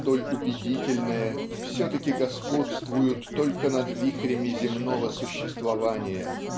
столь убедительное все-таки господствуют только над вихрями земного существования